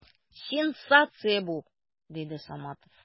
Сенсация бу! - диде Саматов.